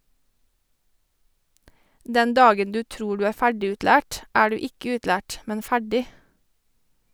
Den dagen du tror du er ferdigutlært er du ikke utlært, men ferdig.